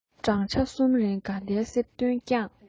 བགྲང བྱ གསུམ རིང དགའ ལྡན གསེར ཁྲི བསྐྱངས